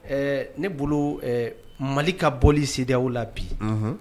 Ɛɛ ne bolo mali ka bɔli sew la bi